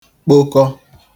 kpokọ